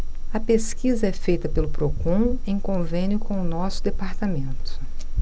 a pesquisa é feita pelo procon em convênio com o diese